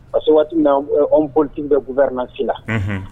Parce que waati min anw pfin bɛ buɛana si la